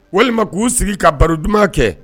Walima k'u sigi ka baro duman kɛ